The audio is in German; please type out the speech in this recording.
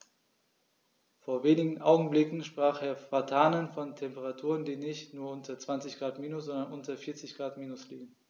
Vor wenigen Augenblicken sprach Herr Vatanen von Temperaturen, die nicht nur unter 20 Grad minus, sondern unter 40 Grad minus liegen.